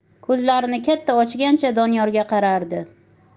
ko'zlarini katta ochgancha doniyorga qarardi